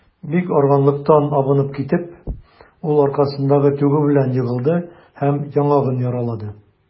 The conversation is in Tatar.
Бик арыганлыктан абынып китеп, ул аркасындагы тюгы белән егылды һәм яңагын яралады.